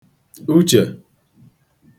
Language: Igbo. uchè